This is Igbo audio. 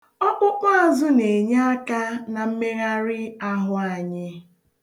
Ọkpụkpụazụ na-enye aka na mmegharị ahụ anyị.